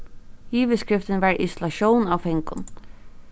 yvirskriftin var isolatión av fangum